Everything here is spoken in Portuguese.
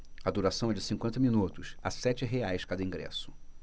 a duração é de cinquenta minutos a sete reais cada ingresso